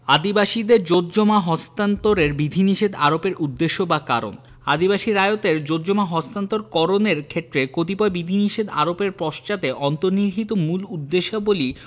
আদিবাসীদের জোতজমা হস্তান্তরে বিধিনিষেধ আরোপের উদ্দেশ্য বা কারণ আদিবাসী রায়তদের জোতজমা হস্তান্তর করণের ক্ষেত্রে কতিপয় বিধিনিষেধ আরোপের পশ্চাতে অন্তর্নিহিত মূল উদ্দেশ্যাবলী